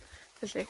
Felly,